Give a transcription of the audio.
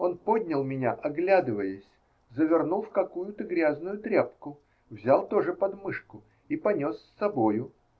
Он поднял меня, оглядываясь, завернул в какую-то грязную тряпку, взял тоже под мышку и понес с собою.